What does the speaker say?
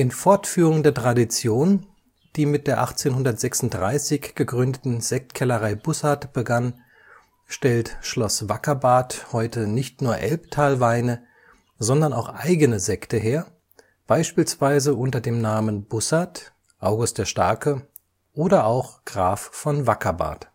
Fortführung der Tradition, die mit der 1836 gegründeten Sektkellerei Bussard begann, stellt Schloss Wackerbarth heute nicht nur Elbtalweine, sondern auch eigene Sekte her, beispielsweise unter den Namen Bussard, August der Starke oder auch Graf von Wackerbarth